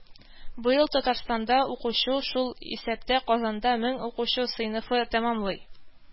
Быел Татарстанда укучы, шул исәптә Казанда мең укучы сыйныфны тәмамлый